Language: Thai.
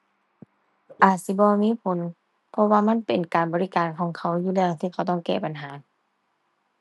อาจสิบ่มีผล เพราะว่ามันเป็นการบริการของเขาอยู่แล้วที่เขาต้องแก้ปัญหา